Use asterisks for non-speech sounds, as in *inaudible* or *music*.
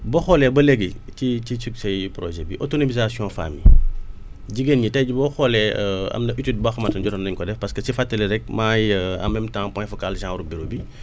boo xoolee ba léegi ci ci succès projet bi autonomisation femmes yi jigéen ñi tey jii boo xoolee *hesitation* am na étude boo xamante jotoon nañ ko def parce que si fàttali rek maay *hesitation* en même temps point focal genre bureau bi